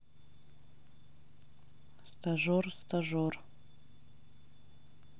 стажер стажер